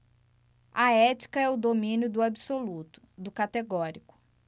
a ética é o domínio do absoluto do categórico